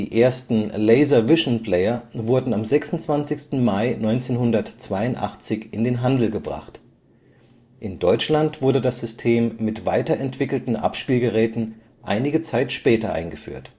ersten LaserVision-Player wurden am 26. Mai 1982 in den Handel gebracht. In Deutschland wurde das System mit weiterentwickelten Abspielgeräten einige Zeit später eingeführt